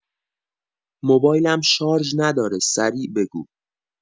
موبایلم شارژ نداره سریع بگو